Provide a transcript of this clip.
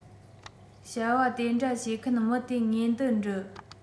བྱ བ དེ འདྲ བྱེད མཁན མི དེ ངེས འདུ འདྲིལ